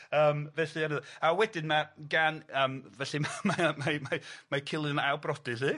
Yym felly a dy- a wedyn ma' gan yym felly ma' mae o mae mae mae Cilydd yn ailbrodi 'lly.